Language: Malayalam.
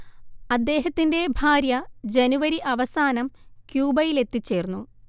അദ്ദേഹത്തിന്റെ ഭാര്യ ജനുവരി അവസാനം ക്യൂബയിലെത്തിച്ചേർന്നു